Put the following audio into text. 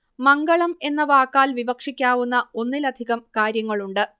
മംഗളം എന്ന വാക്കാൽ വിവക്ഷിക്കാവുന്ന ഒന്നിലധികം കാര്യങ്ങളുണ്ട്